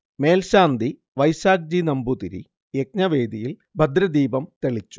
മേൽശാന്തി വൈശാഖ് ജി. നമ്പൂതിരി യജ്ഞവേദിയിൽ ഭദ്രദീപം തെളിച്ചു